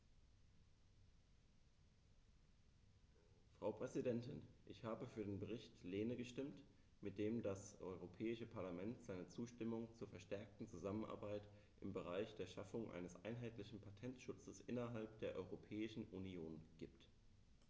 Frau Präsidentin, ich habe für den Bericht Lehne gestimmt, mit dem das Europäische Parlament seine Zustimmung zur verstärkten Zusammenarbeit im Bereich der Schaffung eines einheitlichen Patentschutzes innerhalb der Europäischen Union gibt.